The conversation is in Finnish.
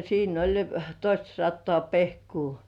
siinä oli toistasataa pehkoa